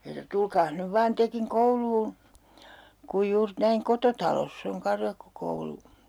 ja se sanoi tulkaas nyt vain tekin kouluun kun juuri näin kototalossa on karjakkokoulu